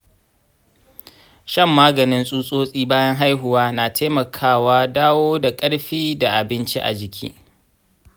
shan maganin tsutsotsi bayan haihuwa na taimakawa dawo da ƙarfi da abinci a jiki.